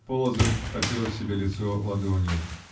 Полозов потер себе лицо ладонью.